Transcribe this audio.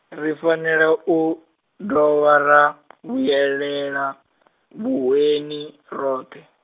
ri fanela u, dovha ra, vhuyelela , vhuhweni, roṱhe.